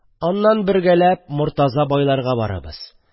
Аннан бергәләп Мортаза байларга барырбыз